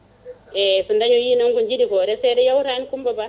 eyyi so dañoyi noon ko jiiɗi ko resede yawtani Coumba Ba